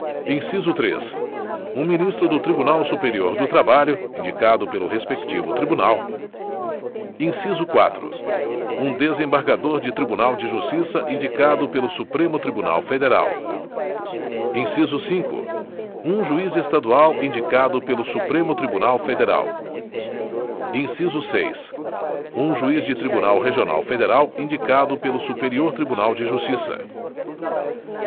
inciso três um ministro do tribunal superior do trabalho indicado pelo respectivo tribunal inciso quatro um desembargador de tribunal de justiça indicado pelo supremo tribunal federal inciso cinco um juiz estadual indicado pelo supremo tribunal federal inciso seis um juiz de tribunal regional federal indicado pelo superior tribunal de justiça